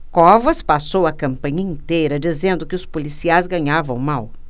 covas passou a campanha inteira dizendo que os policiais ganhavam mal